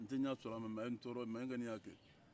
n tɛ ɲɛ sɔrɔ la mɛ a ye n tɔɔrɔ mɛ n kɔni y'a kɛ